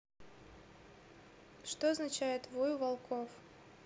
что означает вой у волков